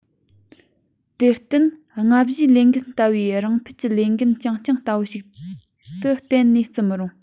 དེར བརྟེན ལྔ བཞིའི ལས འགུལ ལྟ བུའི རང འཕེལ གྱི ལས འགུལ གཙང གཙང ཞིག ཏུ གཏན ནས བརྩི མི རུང